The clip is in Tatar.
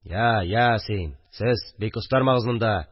– я, я син... сез... бик остармагыз монда